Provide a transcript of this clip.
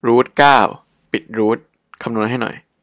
รูทเก้าปิดรูทคำนวณให้หน่อย